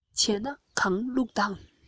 བྱས ན གང བླུགས དང